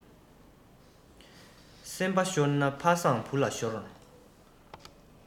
སེམས པ ཤོར ན ཕ བཟང བུ ལ ཤོར